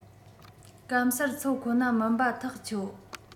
སྐམ སར འཚོ ཁོ ན མིན པ ཐག ཆོད